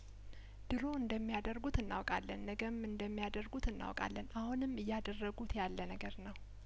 ድሮ እንደሚያደርጉት እናውቃለን ነገም እንደሚያደርጉት እናውቃለን አሁንም እያደረጉት ያለነገር ነው